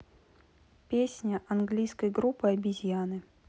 песня английской группы обезьяны